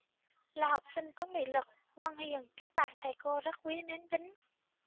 là học sinh có nghị lực ngoan hiền các bạn thầy cô rất quý mến bính